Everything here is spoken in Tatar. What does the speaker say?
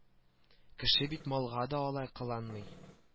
Кеше бит малга да алай кыланмый